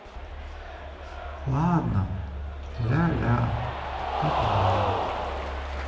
ладно ля ля тополя